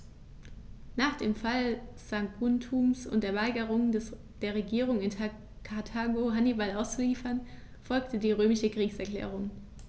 Nach dem Fall Saguntums und der Weigerung der Regierung in Karthago, Hannibal auszuliefern, folgte die römische Kriegserklärung.